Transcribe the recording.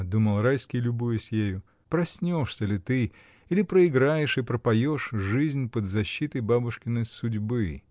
— думал Райский, любуясь ею, — проснешься ли ты или проиграешь и пропоешь жизнь под защитой бабушкиной “судьбы”?